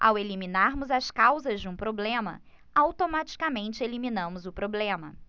ao eliminarmos as causas de um problema automaticamente eliminamos o problema